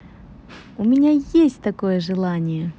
у меня есть такое желание